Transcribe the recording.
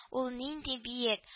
Ул нинди биек